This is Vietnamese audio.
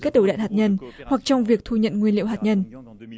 các đầu đạn hạt nhân hoặc trong việc thu nhận nguyên liệu hạt nhân